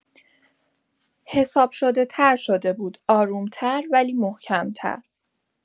حساب‌شده‌تر شده بود، آروم‌تر، ولی محکم‌تر.